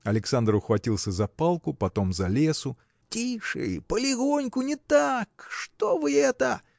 Александр ухватился за палку, потом за лесу. – Тише, полегоньку, не так. что вы это?